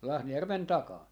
Lahnajärven takana